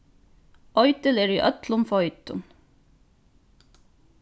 eitil er í øllum feitum